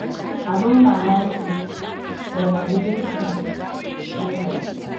‘Abin mamaki’ daga Livingston - nazari